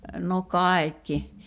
no kaikki